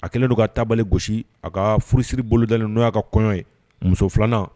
A kɛlen don ka tabale gosi , a ka furusiri bolodalen don, n'o ya ka kɔɲɔn ye, muso 2nan